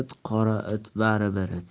it bari bir it